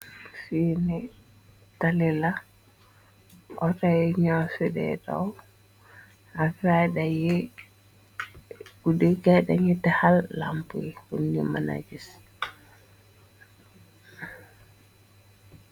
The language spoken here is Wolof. Fide talila otoy ñoo fide daw ak ry da yi buddggay dañu texal lampi pur ñu mëna jis